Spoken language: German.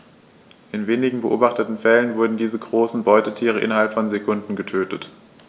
In den wenigen beobachteten Fällen wurden diese großen Beutetiere innerhalb von Sekunden getötet.